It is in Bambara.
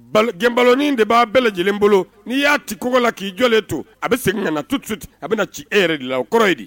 Gɛnbain de b'a bɛɛ lajɛlen bolo n'i y'a ci kogo la k'i jɔlen to a bɛ segin ka na totu a bɛ na ci e yɛrɛ de la o kɔrɔ ye di